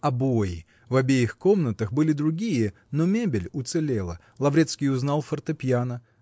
Обои в обеих комнатах были другие, но мебель уцелела Лаврецкий узнал фортепьяно